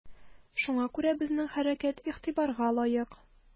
Шуңа күрә безнең хәрәкәт игътибарга лаек.